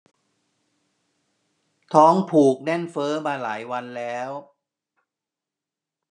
ท้องผูกแน่นเฟ้อมาหลายวันแล้ว